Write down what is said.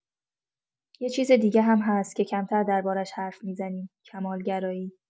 یه چیز دیگه هم هست که کمتر درباره‌ش حرف می‌زنیم: کمال‌گرایی.